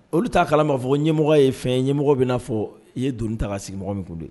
Olu t'a kala b'a fɔ ko ɲɛmɔgɔ ye fɛn ye ɲɛmɔgɔ bɛ i n'a fɔ i ye doni ta k'a sigi mɔgɔ min kun de